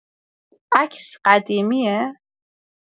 عکس قدیمیه.